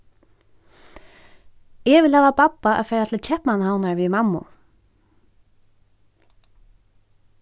eg vil hava babba at fara til keypmannahavnar við mammu